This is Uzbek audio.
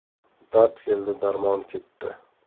dard keldi darmon ketdi